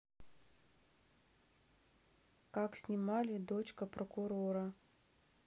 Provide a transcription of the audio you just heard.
как снимали дочка прокурора